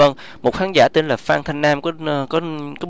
vâng một khán giả tên là phan thanh nam có